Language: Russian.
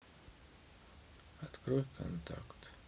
открой контакт